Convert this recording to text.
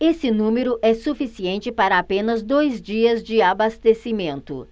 esse número é suficiente para apenas dois dias de abastecimento